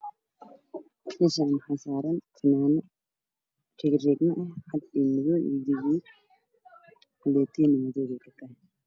Meshan waxaa saran funanad riigriigmo ah cad iyo madoow iyo guduud kuleetigana madow bey katahay